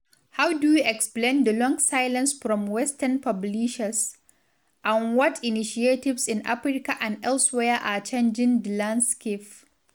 How do you explain the long silence from Western publishers, and what initiatives in Africa and elsewhere are changing the landscape?